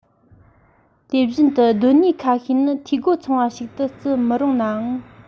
དེ བཞིན དུ གདོད ནུས ཁ ཤས ནི འཐུས སྒོ ཚང བ ཞིག ཏུ བརྩི མི རུང ནའང